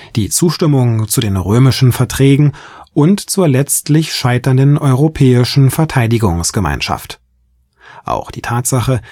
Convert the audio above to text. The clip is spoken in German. die Zustimmung zu den Römischen Verträgen und zur letztlich scheiternden Europäischen Verteidigungsgemeinschaft. Auch die Tatsache